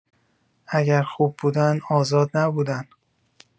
اگر خوب بودن آزاد نبودن